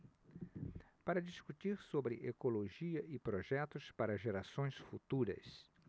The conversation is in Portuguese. para discutir sobre ecologia e projetos para gerações futuras